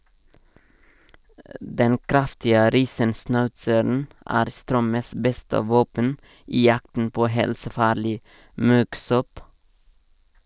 Den kraftige riesenschnauzeren er Strømmes beste våpen i jakten på helsefarlig muggsopp.